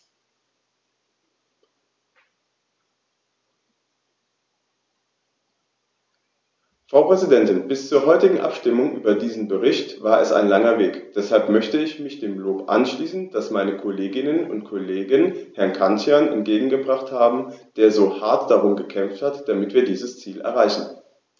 Frau Präsidentin, bis zur heutigen Abstimmung über diesen Bericht war es ein langer Weg, deshalb möchte ich mich dem Lob anschließen, das meine Kolleginnen und Kollegen Herrn Cancian entgegengebracht haben, der so hart darum gekämpft hat, damit wir dieses Ziel erreichen.